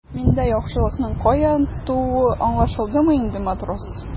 Миндә яхшылыкның каян тууы аңлашылдымы инде, матрос?